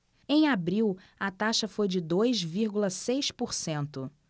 em abril a taxa foi de dois vírgula seis por cento